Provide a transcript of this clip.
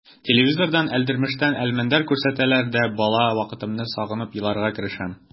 Телевизордан «Әлдермештән Әлмәндәр» күрсәтсәләр дә бала вакытымны сагынып еларга керешәм.